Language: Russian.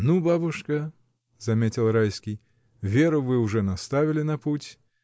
— Ну, бабушка, — заметил Райский, — Веру вы уже наставили на путь.